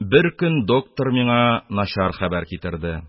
Беркөн доктор миңа бик начар хәбәр китерде: